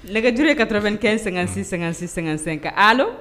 Nɛgɛjuru ye ka tra kɛ sɛgɛn-sɛ- sɛgɛn-sɛka ala